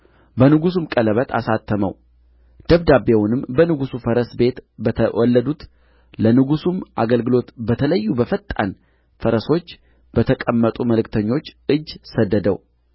በንጉሡም ቀለበት አሳተመው ደብዳቤውንም በንጉሡ ፈረስ ቤት በተወለዱት ለንጉሡም አገልግሎት በተለዩ በፈጣን ፈረሶች በተቀመጡ መልእክተኞች እጅ ሰደደው